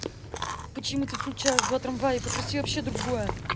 почему ты включаешь два трамвая и попроси вообще другое